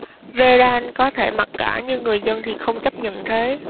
vedan có thể mặc cả nhưng người dân thì không chấp nhận thế